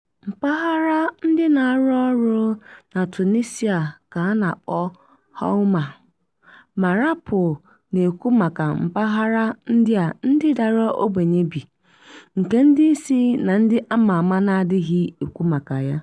Mpaghara ndị na-arụ ọrụ na Tunisia ka a na-akpọ Houma… Ma raapụ na-ekwu maka mpaghara ndị a ndị dara ogbenye bi, nke ndị isi na ndị ama ama na-adịghị ekwu maka ya.